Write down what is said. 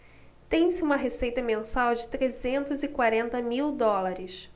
tem-se uma receita mensal de trezentos e quarenta mil dólares